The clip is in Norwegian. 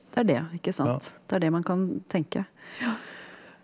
det er det ikke sant, det er det man kan tenke ja.